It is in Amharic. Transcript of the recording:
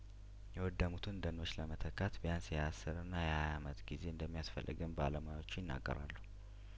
የወደሙትን ደኖች ለመተካት ቢያንስ የአስር እና የሀያ አመት ጊዜ እንደሚያስፈልግም ባለሙያዎቹ ይናገራሉ